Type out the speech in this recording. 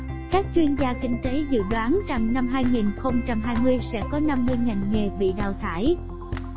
các chuyên gia kinh tế dự đoán rằng năm sẽ có ngành nghề bị đào thải